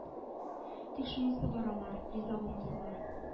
Тик шунысы бар алар риза булмаслар